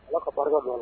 Ala ka baara ɲɔgɔn na